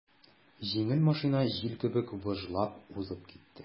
Җиңел машина җил кебек выжлап үтеп китте.